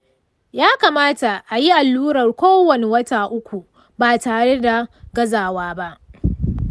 ya kamata a yi allurar kowane wata uku ba tare da gazawa ba.